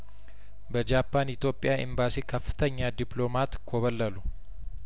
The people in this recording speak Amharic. በጃፓን ኢትዮጵያ ኤምባሲ ከፍተኛ ዲፕሎማት ኮበለሉ